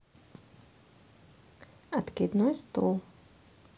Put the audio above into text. откидной стул